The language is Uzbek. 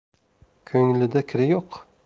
ko'nglida kiri yo'q